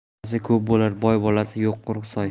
bolasi ko'p bo'lar boy bolasi yo'q quruq soy